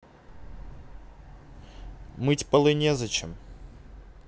мыть полы незачем